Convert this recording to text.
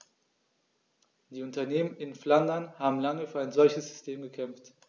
Die Unternehmen in Flandern haben lange für ein solches System gekämpft.